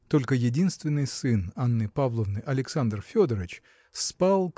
Только единственный сын Анны Павловны Александр Федорыч спал